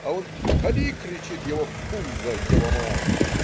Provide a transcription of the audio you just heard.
а он, коли, кричит, его в пузо. его мать!